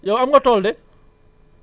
yow am nga tool de